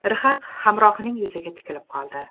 rhaq hamrohining yuziga tikilib qoldi